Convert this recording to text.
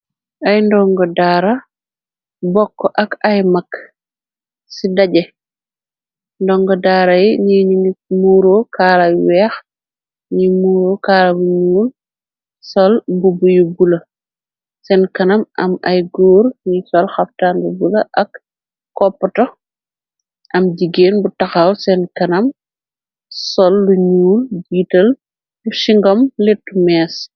Ay ndongo daara bokk ak ay mag ci daje ndonga daara y ñi ñi nit muuro kaalay weex ñi muuro kaala bu ñuul sol bu buyu bula seen kanam am ay góor ni sol xabtand bula ak coppato am jigeen bu taxaw seen kanam sol lu ñuul jiital shingom lettu mees.